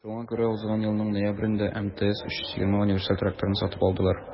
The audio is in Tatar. Шуңа күрә узган елның ноябрендә МТЗ 320 универсаль тракторын сатып алдылар.